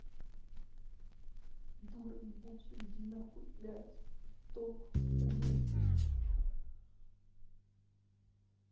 дура ебучая иди нахуй блядь толку от тебя ноль блядь